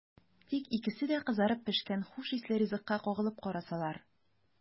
Тик икесе дә кызарып пешкән хуш исле ризыкка кагылып карасалар!